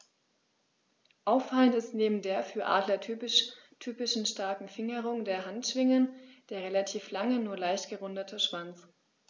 Auffallend ist neben der für Adler typischen starken Fingerung der Handschwingen der relativ lange, nur leicht gerundete Schwanz.